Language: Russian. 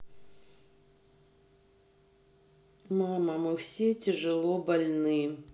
мама мы все тяжело больны